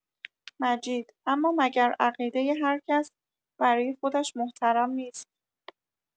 مجید: اما مگر عقیدۀ هر کس برای خودش محترم نیست؟